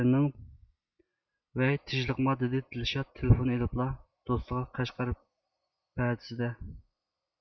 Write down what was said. ۋەي تېژلىقما دىدى دىلشاد تېلىفوننى ئېلىپلا دوستىغا قەشقەر پەدىسىدە